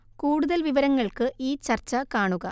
കൂടുതൽ വിവരങ്ങൾക്ക് ഈ ചർച്ച കാണുക